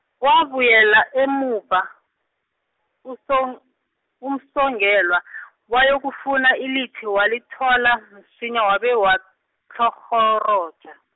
wabuyela emuva, uSong- uMsongelwa , wayokufuna ilithi walithola msinya wabe watlhorhoroja.